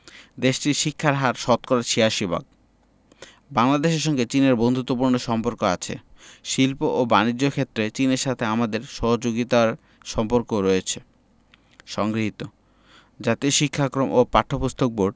দেশটির শিক্ষার হার শতকরা ৮৬ ভাগ বাংলাদেশের সঙ্গে চীনের বন্ধুত্বপূর্ণ সম্পর্ক আছে শিল্প ও বানিজ্য ক্ষেত্রে চীনের সাথে আমাদের সহযোগিতার সম্পর্কও রয়েছে সংগৃহীত জাতীয় শিক্ষাক্রম ও পাঠ্যপুস্তক বোর্ড